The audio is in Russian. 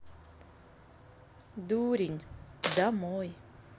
дурень домой